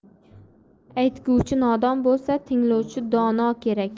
aytguvchi nodon bo'lsa tinglovchi dono kerak